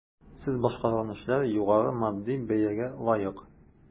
Сез башкарган эшләр югары матди бәягә лаек.